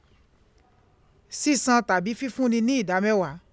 Sísan tàbí Fífúnni ní ìdámẹ́wàá.